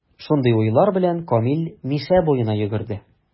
Шундый уйлар белән, Камил Мишә буена йөгерде.